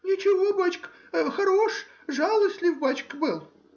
— Ничего, бачка,— хорош, жалостлив, бачка, был.